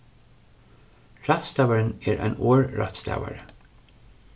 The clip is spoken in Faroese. rættstavarin er ein orð rættstavari